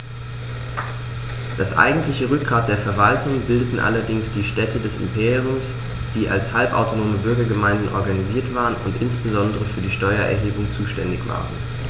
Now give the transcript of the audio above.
Das eigentliche Rückgrat der Verwaltung bildeten allerdings die Städte des Imperiums, die als halbautonome Bürgergemeinden organisiert waren und insbesondere für die Steuererhebung zuständig waren.